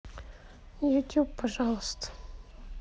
ютуб пожалуйста